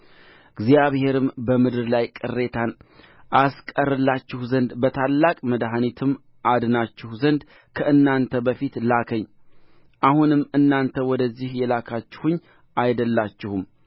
እግዚአብሔርም በምድር ላይ ቅሬታን አስቀርላችሁ ዘንድ በታላቅ መድኃኒትም አድናችሁ ዘንድ ከእናንተ በፊት ላከኝ አሁንም እናንተ ወደዚህ የላካችሁኝ አይደላችሁም